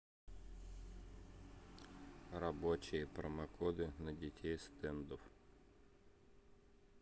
рабочие промокоды на детей стендов